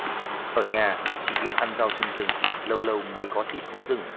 ở nhà chỉ biết ăn rau trên rừng lâu lâu mới có thịt thú rừng